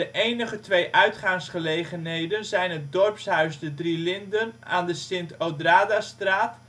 enige twee uitgaansgelegenheden zijn het dorpshuis De Drie Linden aan de Sint Odradastraat